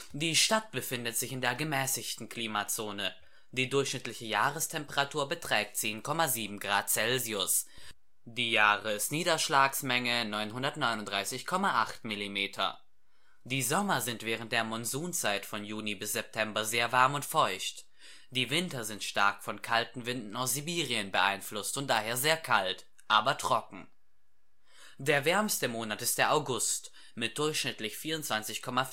Die Stadt befindet sich in der gemäßigten Klimazone. Die durchschnittliche Jahrestemperatur beträgt 10,7 Grad Celsius, die Jahresniederschlagsmenge 939,8 Millimeter. Die Sommer sind während der Monsun-Zeit von Juni bis September sehr warm und feucht. Die Winter sind stark von kalten Winden aus Sibirien beeinflusst und daher sehr kalt, aber trocken. Der wärmste Monat ist der August mit durchschnittlich 24,4